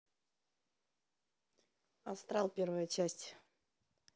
астрал первая часть